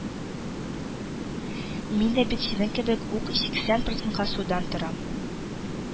Мин дә бит синең кебек үк сиксән процент судан торам